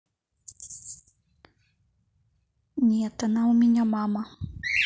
нет она у меня мама